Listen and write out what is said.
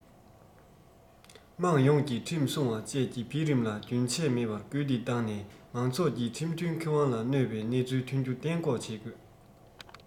དམངས ཡོངས ཀྱིས ཁྲིམས སྲུང བ བཅས ཀྱི འཕེལ རིམ ལ རྒྱུན ཆད མེད པར སྐུལ འདེད བཏང ནས མང ཚོགས ཀྱི ཁྲིམས མཐུན ཁེ དབང ལ གནོད པའི གནས ཚུལ ཐོན རྒྱུ གཏན འགོག བྱེད དགོས